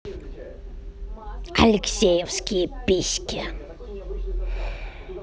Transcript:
алексеевские письки